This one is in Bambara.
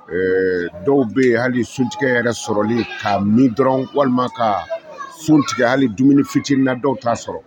Ɛɛ dɔw bɛ yen hali sun tigɛ yɛrɛ sɔrɔli ka min dɔrɔn walima ka sun tigɛ hali dumuni fitiriininina dɔw t'a sɔrɔ